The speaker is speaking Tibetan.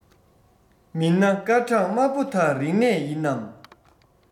མིན ན སྐར གྲངས དམར པོ དག རིག གནས ཡིན ནམ